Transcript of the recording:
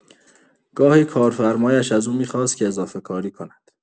گاهی کارفرمایش از او می‌خواست که اضافه‌کاری کند.